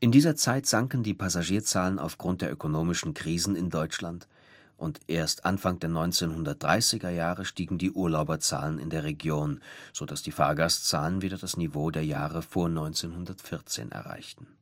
dieser Zeit sanken die Passagierzahlen aufgrund der ökonomischen Krisen in Deutschland. Erst Anfang der 1930er Jahre stiegen die Urlauberzahlen in der Region, so dass die Fahrgastzahlen wieder das Niveau der Jahre vor 1914 erreichten